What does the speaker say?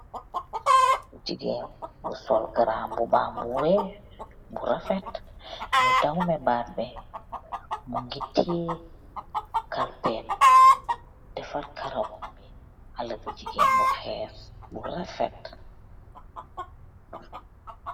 haleh bu jigeen bu sol garam mbuba bu weeah bu rafet teh tiyeh posset.